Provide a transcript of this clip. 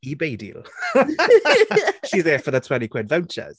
EBay deal. She's there for the twenty quid vouchers.